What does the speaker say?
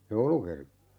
joulukirkko